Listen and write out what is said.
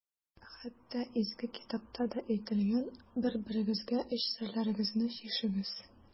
Хәтта Изге китапта да әйтелгән: «Бер-берегезгә эч серләрегезне чишегез».